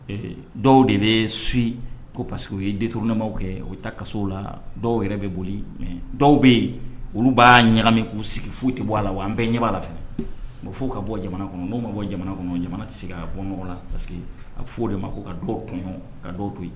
Dɔw de bɛ su ko pa parce que u yetoɛmaw kɛ u ta kaw la dɔw yɛrɛ bɛ boli dɔw bɛ yen olu b'a ɲaga min k'u sigi foyi tɛ bɔ a la an bɛɛ ɲɛ la fɛ fo ka bɔ jamana kɔnɔ olu ma bɔ jamana kɔnɔ ɲa tɛ se ka bɔ ɲɔgɔn la parce que a' de ma ka dɔw kɔnɔ ka dɔw to yen